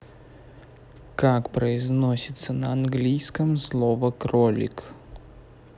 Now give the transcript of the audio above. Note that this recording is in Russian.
как произносится на английском слово кролик